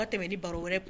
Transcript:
Tɛmɛ baro wɛrɛ